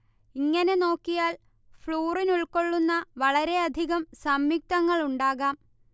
ഇങ്ങനെ നോക്കിയാൽ ഫ്ലൂറിനുൾക്കൊള്ളുന്ന വളരെയധികം സംയുക്തങ്ങൾ ഉണ്ടാകാം